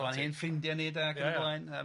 Yn hollol ein ffrindia ni 'de ac yn y blaen... Ia ia...